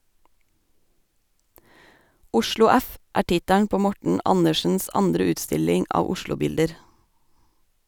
«Oslo F.» er tittelen på Morten Andersens andre utstilling av Oslo-bilder.